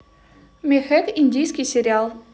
мехэк индийский сериал